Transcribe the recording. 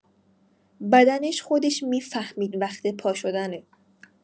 بدنش خودش می‌فهمید وقت پاشدنه.